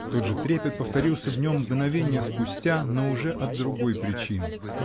Тот же трепет повторится в нем мгновенье спустя, но уже от другой причины.